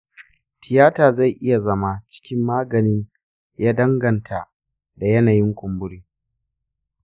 tiyata zai iya zama cikin maganin ya danganta da yanayin kumburin.